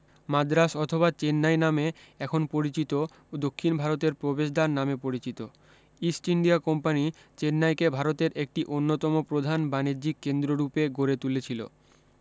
মাদ্রাজ অথবা চেন্নাই নামে এখন পরিচিত দক্ষিণ ভারতের প্রবেশদ্বার নামে পরিচিত ইস্ট ইন্ডিয়া কোম্পানী চেন্নাইকে ভারতের একটি অন্যতম প্রধান বানিজ্যিক কেন্দ্র রূপে গড়ে তুলেছিল